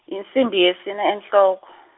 insimbi yesine enhloko.